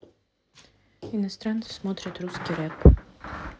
иностранцы смотрят русский рэп